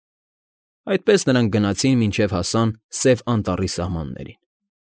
Այդպես նրանք գնացին, մինչև հասան Սև Անտառի սահմաններին։